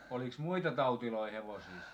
olikos muita tauteja hevosissa